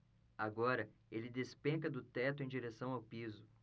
agora ele despenca do teto em direção ao piso